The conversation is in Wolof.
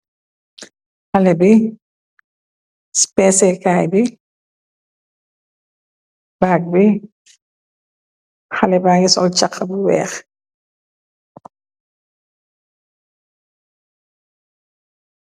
xale bi spesekaay bi baag bi xale ba ngi sol caxa bu weex.